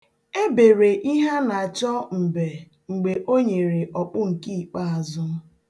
E bere Iheanachọ mbe mgbe o nyere ọkpụ nke ikpezụ.